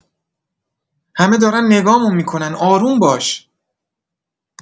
همه دارن نگامون می‌کنن آروم باش